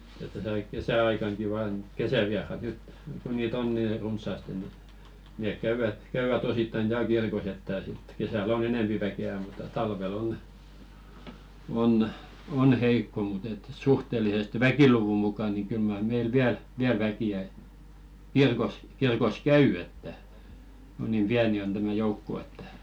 että tässä - kesäaikanakin vain kesävieraat nyt kun niitä on niin runsaasti niin ne käyvät käyvät osittain täällä kirkossa että sitten kesällä on enempi väkeä mutta talvella on on heikko mutta että suhteellisesti väkiluvun mukaan niin kyllä mar meillä vielä vielä väkeä kirkossa kirkossa käy että kun niin pieni on tämä joukko että